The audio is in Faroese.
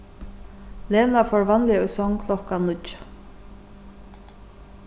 lena fór vanliga í song klokkan níggju